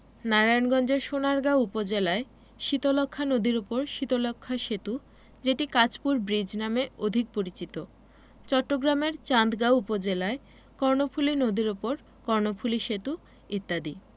নারায়ণগঞ্জের সোনারগাঁও উপজেলায় শীতলক্ষ্যা নদীর উপর শীতলক্ষ্যা সেতু যেটি কাঁচপুর ব্রীজ নামে অধিক পরিচিত চট্টগ্রামের চান্দগাঁও উপজেলায় কর্ণফুলি নদীর উপর কর্ণফুলি সেতু ইত্যাদি